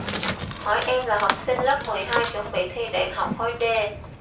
hỏi em là học sinh lớp mười hai chuẩn bị thi đại học khối d